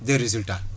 de résultat